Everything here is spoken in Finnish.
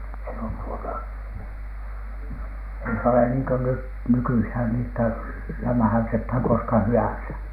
se on tuota ei se ole niin kuin nyt nykyisin niin että lämmähdytetään koska hyvänsä